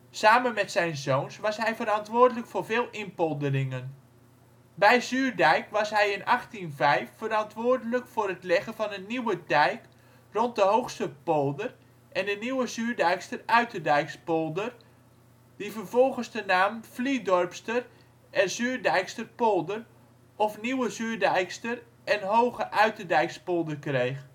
Samen met zijn zoons was hij verantwoordelijk voor veel inpolderingen. Bij Zuurdijk was hij in 1805 verantwoordelijk voor het leggen van een nieuwe dijk rond de Hoogsterpolder en de Nieuwe Zuurdijkster Uiterdijkspolder, die vervolgens de naam Vliedorpster en Zuurdijksterpolder (of Nieuwe Zuurdijkster en Hooge Uiterdijkspolder) kreeg